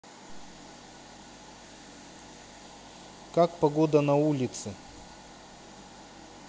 как погода на улице